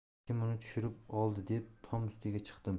kim uni tushirib oldi deb tom ustiga chiqdim